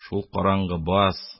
Шул караңгы баз,